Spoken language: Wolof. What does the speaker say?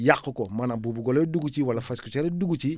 yàq ko maanaam buubu golo yi dugg ci wala fas charette dugg ci